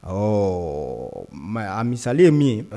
Ɔ mɛ a misalen ye min